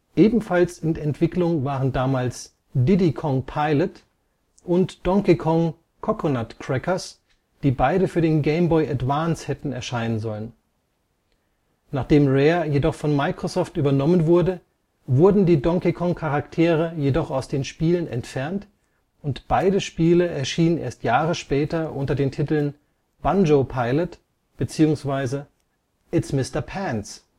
Ebenfalls in Entwicklung waren damals Diddy Kong Pilot und Donkey Kong: Coconut Crackers, die beide für den Game Boy Advance hätten erscheinen sollen. Nachdem Rare jedoch von Microsoft übernommen wurde, wurden die Donkey-Kong-Charaktere jedoch aus den Spielen entfernt und beide Spiele erschienen erst Jahre später unter den Titeln Banjo-Pilot bzw. It 's Mr. Pants